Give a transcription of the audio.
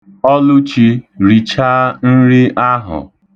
Ọ rụchara ọrụ ahụ niile.